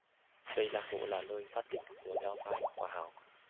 tây nam bộ là nơi phát tích của giáo phái hòa hảo